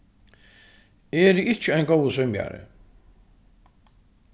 eg eri ikki ein góður svimjari